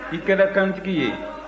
i kɛra kantigi ye